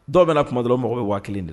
Dɔw bɛ na kuma dɔn mɔgɔ bɛ waa kelen de don